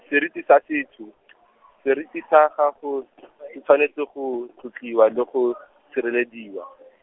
seriti sa setho , seriti sa gago , se tshwanetse go, tlotliwa le go , sirelediwa.